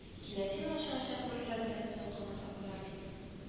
Киләсе елга чыгачак бөреләрне салкыннан саклыйлар бит